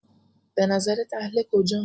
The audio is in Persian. بنظرت اهل کجام؟